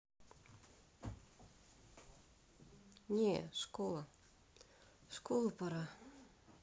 не школа в школу пора